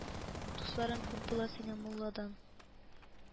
Дусларың күп була синең мулладин